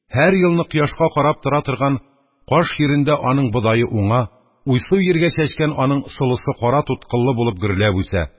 Һәр елны кояшка карап тора торган каш йирендә аның бодае уңа, уйсу йиргә чәчкән аның солысы кара туткыллы булып гөрләп үсә,